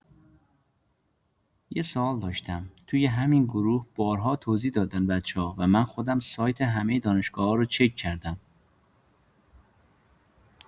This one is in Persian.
یه سوال داشتم توی همین گروه بارها توضیح دادن بچه‌ها و من خودم سایت همه دانشگاه‌‌ها رو چک کردم.